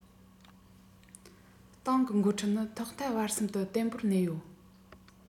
ཏང གི འགོ ཁྲིད ནི ཐོག མཐའ བར གསུམ དུ བརྟན པོར གནས ཡོད